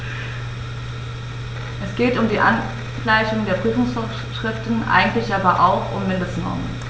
Es geht um die Angleichung der Prüfungsvorschriften, eigentlich aber auch um Mindestnormen.